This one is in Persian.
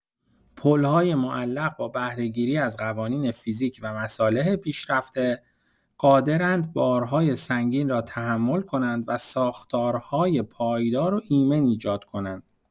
پل‌های معلق با بهره‌گیری از قوانین فیزیک و مصالح پیشرفته، قادرند بارهای سنگین را تحمل کنند و ساختارهای پایدار و ایمن ایجاد کنند.